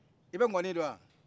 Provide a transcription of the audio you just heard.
i bɛ ŋɔni dɔn wa